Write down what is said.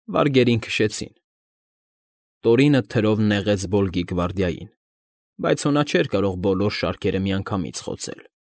Վարգերին քշեցին։ Տորինը թրով նեղեց Բոլգի գվարդիային, բայց հո նա չէր կարող բոլոր շարքերը միանգամից խոցել։